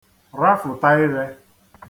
rafụ̀ta irē